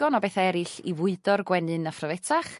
ddigon o bethe eryll i fwydo'r gwenyn a phryfetach